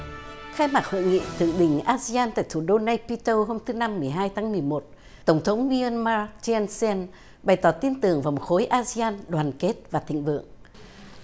khai mạc hội nghị thượng đỉnh a xi an tại thủ đô ne pi tô hôm thứ năm mười hai tháng mười một tổng thống mi an ma chen xen bày tỏ tin tưởng vào khối a xi an đoàn kết và thình vượng